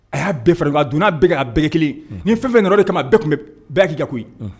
A y'a bɛɛrin donna bɛn a bɛɛ kelen ni fɛn fɛn in de kama bɛɛ tun bɛ baki ka koyi